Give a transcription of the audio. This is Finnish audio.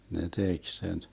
ne teki sen